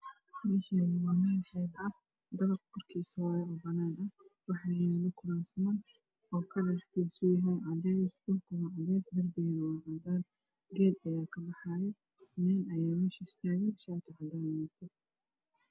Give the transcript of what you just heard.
Meshaani waa meel xeeb ah dabaq korkisa waye oo banaan waxaa yala kurasman oo kalarkiisu yahay cadees dhulkuna cadees derbigana waa cadan geed ayaa ka baxay nin ayaa mesha tagan oo shati cadan wata